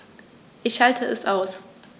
Ich schalte es aus.